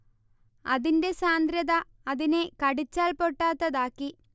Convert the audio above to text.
അതിന്റെ സാന്ദ്രത അതിനെ കടിച്ചാൽ പൊട്ടാത്തതാക്കി